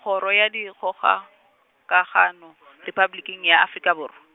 Kgoro ya Dikgokagano , Repabliking ya Afrika Borwa.